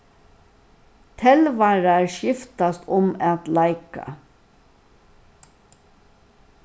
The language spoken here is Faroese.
telvarar skiftast um at leika